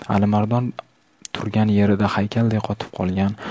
alimardon turgan yerida haykalday qotib qolgan